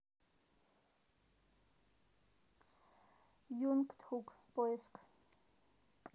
young thug поиск